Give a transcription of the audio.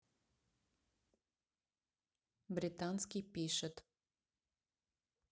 британский пишет